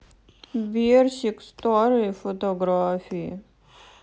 берсик старые фотографии